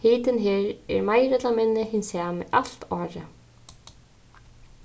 hitin her er meira ella minni hin sami alt árið